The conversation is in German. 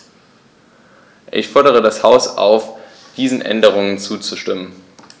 Ich fordere das Haus auf, diesen Änderungen zuzustimmen.